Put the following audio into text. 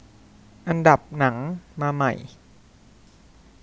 อันดับหนังมาใหม่